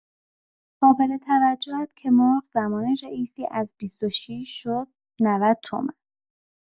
قابل‌توجه‌ات که مرغ زمان رئیسی از ۲۶ شد ۹۰ تومن